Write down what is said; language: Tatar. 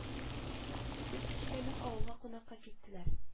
Юк кичтән үк авылга кунакка киттеләр